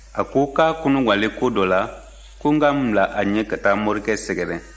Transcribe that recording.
a ko k'a kɔnɔgwannen ko dɔ la ko n ka n bila a ɲɛ ka taa morikɛ sɛgɛrɛ